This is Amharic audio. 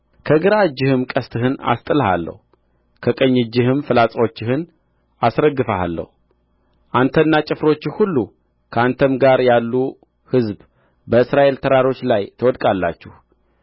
ከግራ እጅህም ቀስትህን አስጥልሃለሁ ከቀኝ እጅህም ፍላጾችህን አስረግፍሃለሁ አንተና ጭፍሮችህ ሁሉ ከአንተም ጋር ያሉ ሕዝብ በእስራኤል ተራሮች ላይ ትወድቃላችሁ